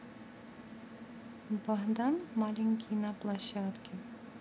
богдан маленький на площадке